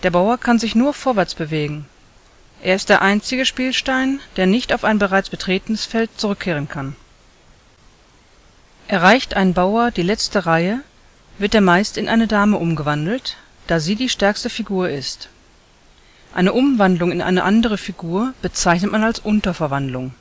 Bauer kann sich nur vorwärts bewegen. Er ist der einzige Spielstein, der nicht auf ein bereits betretenes Feld zurückkehren kann. Erreicht ein Bauer die letzte Reihe, wird er meist in eine Dame umgewandelt, da sie die stärkste Figur ist. Eine Umwandlung in eine andere Figur bezeichnet man als Unterverwandlung